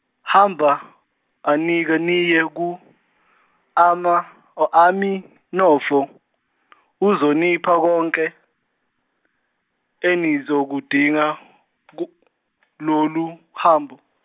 hamba anike niye ku Ama- o- Aminofo uzonipha konke, enizokudinga kulolu hambo.